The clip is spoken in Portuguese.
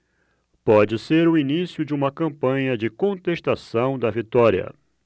pode ser o início de uma campanha de contestação da vitória